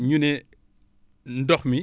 ñu ne ndox mi